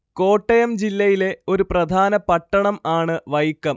കോട്ടയം ജില്ലയിലെ ഒരു പ്രധാന പട്ടണം ആണ് വൈക്കം